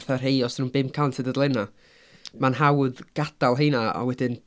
Ma' 'na rhai os dan nhw'n bum cant o dudalennau mae'n hawdd gadael rheina a wedyn